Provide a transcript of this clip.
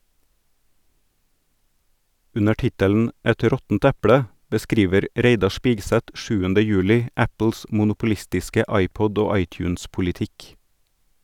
Under tittelen «Et råttent eple» beskriver Reidar Spigseth 7. juli Apples monopolistiske iPod- og iTunes-politikk.